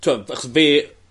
T'wod achos fe